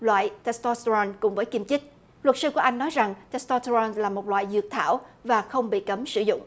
loại tét tọt tơ ron cùng với kim chích luật sư của anh nói rằng tét tọt tơ ron là một loại dược thảo và không bị cấm sử dụng